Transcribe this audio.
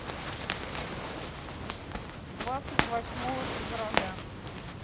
двадцать восьмого февраля